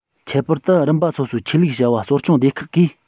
ཁྱད པར དུ རིམ པ སོ སོའི ཆོས ལུགས བྱ བ གཙོ སྐྱོང སྡེ ཁག གིས